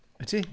Wyt ti?